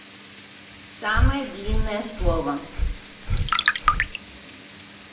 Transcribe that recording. самое длинное слово